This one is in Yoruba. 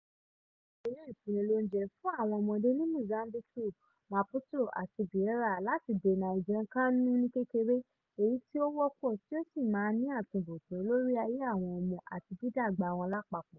A ti ṣí àwọn ilè ìfún-ni-lóúnjẹ fún àwọn ọmọdé ní Mozambique (Maputo àti Beira) láti dènà àìjẹunkánú ní kékeré, èyí tí ó wọ́pọ̀ tí ó sì máa ń ní àtunbọ̀tán lórí ayé àwọn ọmọ àti dídàgbà wọn lápapọ̀.